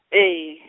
ee .